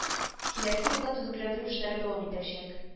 Киләсе елда төзекләндерү эшләре дәвам итәчәк